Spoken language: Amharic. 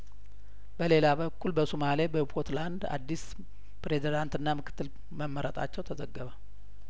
በሌላ በኩል በሶማሌ በፑትላንድ አዲስ ፕሬዚዳንትና ምክትል መመረጣቸው ተዘገበ